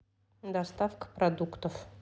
доставка продуктов